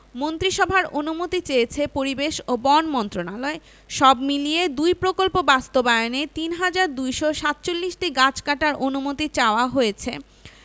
মন্ত্রিসভার অনুমতি চেয়েছে পরিবেশ ও বন মন্ত্রণালয় সব মিলিয়ে দুই প্রকল্প বাস্তবায়নে ৩হাজার ২৪৭টি গাছ কাটার অনুমতি চাওয়া হয়েছে